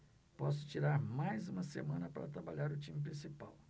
posso tirar mais uma semana para trabalhar o time principal